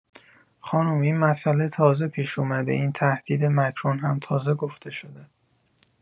خانم این مسئله تازه پیش اومده این تهدید مکرون هم تازه گفته‌شده